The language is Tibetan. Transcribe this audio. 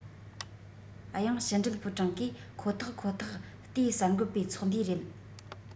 དབྱང ཕྱི འབྲེལ པུའུ ཀྲང གིས ཁོ ཐག ཁོ ཐག བལྟས གསར འགོད པའི ཚོགས འདུའི རེད